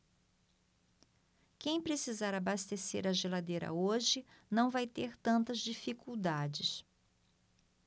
quem precisar abastecer a geladeira hoje não vai ter tantas dificuldades